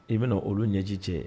I bɛ olu ɲɛji cɛ ye